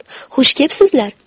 xush kepsizlar